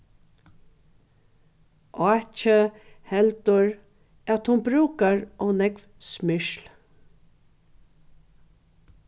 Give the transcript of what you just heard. áki heldur at hon brúkar ov nógv smyrsl